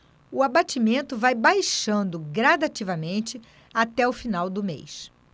o abatimento vai baixando gradativamente até o final do mês